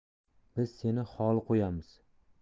biz seni xoli qo'yamiz